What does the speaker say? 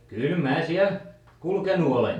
kyllä minä siellä kulkenut olen